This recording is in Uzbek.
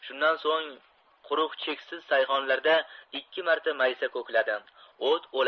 shundan so'ng quruq cheksiz sayhonlarda ikki marta maysa ko'kladi